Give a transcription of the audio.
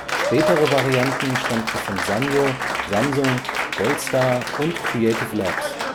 Spätere Varianten stammten von Sanyo, Samsung, Goldstar und Creative Labs